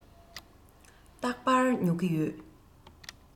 རྟག པར ཉོ གི ཡོད